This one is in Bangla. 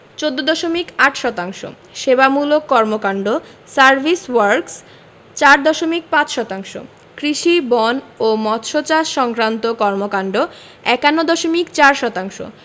১৪দশমিক ৮ শতাংশ সেবামূলক কর্মকান্ড সার্ভিস ওয়ার্ক্স ৪ দশমিক ৫ শতাংশ কৃষি বন ও মৎসচাষ সংক্রান্ত কর্মকান্ড ৫১ দশমিক ৪ শতাংশ